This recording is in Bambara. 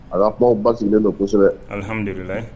Ap ba sigilen don kosɛbɛ ahamdulila